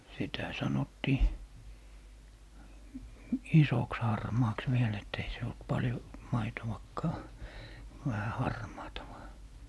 sitä sanottiin isoksi harmaaksi vielä että ei se ollut paljon maitoakaan vähän harmaata vain